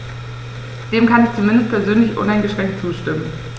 Dem kann ich zumindest persönlich uneingeschränkt zustimmen.